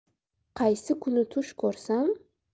qaysi kuni tush ko'rsam